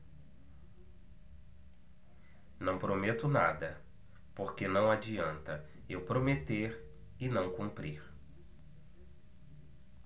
não prometo nada porque não adianta eu prometer e não cumprir